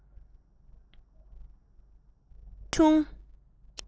ཆུང ཆུང